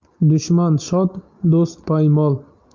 dushman shod do'st poymol